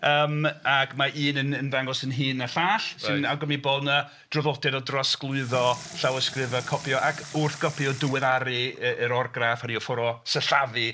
yym ac mae un yn ymddangos yn hyn na'r llall... reit. ...sy'n awgrymu bod 'na draddodiad o drosglwyddo llawysgrifau, copio ac wrth gopio diweddaru y yr orgraff hynny yw y ffor' o sillafu.